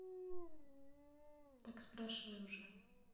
так спрашивай уже